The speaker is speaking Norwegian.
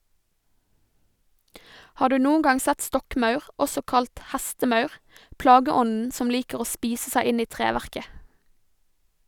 Har du noen gang sett stokkmaur, også kalt hestemaur, plageånden som liker å spise seg inn i treverket?